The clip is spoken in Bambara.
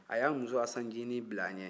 a y'a muso asan ncinin bila a ɲɛ